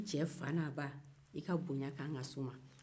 i ka bonya ka kan ka se i cɛ fa n'a ba ma